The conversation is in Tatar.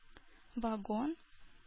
Вагон